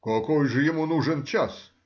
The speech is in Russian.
— Какой же ему нужен час?